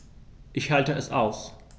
Ich schalte es aus.